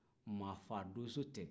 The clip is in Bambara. maa fa donso tɛ